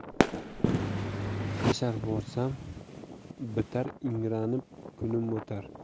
hashar borsam bitar ingranib kunim o'tar